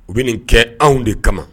U bɛ nin kɛ anw de kama